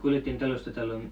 kuljettiin talosta taloon